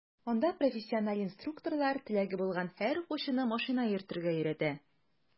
Анда профессиональ инструкторлар теләге булган һәр укучыны машина йөртергә өйрәтә.